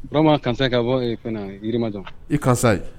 Urama kan ka bɔ ka na jiri majan i kasa ye